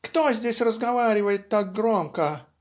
"Кто здесь разговаривает так громко?.